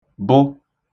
bụ